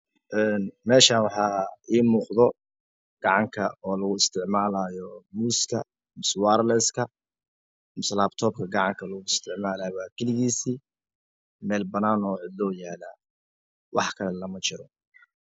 Ee meeshaan waxaa ii muuqda gacanga oo lagu isticmaalaayo muuska mase waraleeska mase laabtoobka ka gacanta lagu isticmaalaayo kalikiisii meel banaan cidlo yaalaa wax kale lama jiro.